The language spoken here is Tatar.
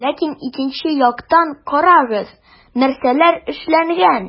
Ләкин икенче яктан - карагыз, нәрсәләр эшләнгән.